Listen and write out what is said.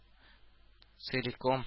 Целиком